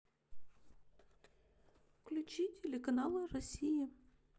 включи телеканал россии